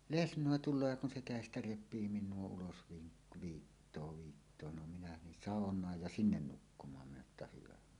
lesnoi tulee ja kun se kädestä repii minua ulos - viittoo viittoo no minä niin saunaan ja sinne nukkumaan minä että hyvä